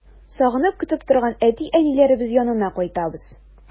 Сагынып көтеп торган әти-әниләребез янына кайтабыз.